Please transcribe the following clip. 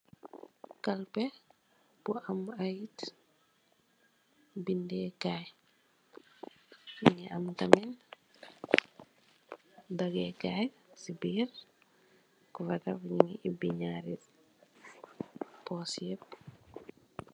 kalpe bu am ay bindekay mungi am tamit dagekay ci beer mugi oubi njari pose yi yaeb